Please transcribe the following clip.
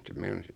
se meinasi